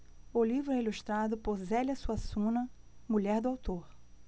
o livro é ilustrado por zélia suassuna mulher do autor